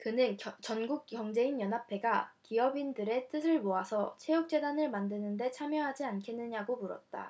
그는 전국경제인연합회가 기업들의 뜻을 모아서 체육재단을 만드는 데 참여하지 않겠느냐고 물었다